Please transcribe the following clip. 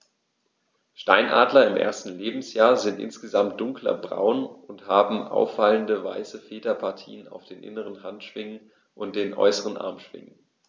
Steinadler im ersten Lebensjahr sind insgesamt dunkler braun und haben auffallende, weiße Federpartien auf den inneren Handschwingen und den äußeren Armschwingen.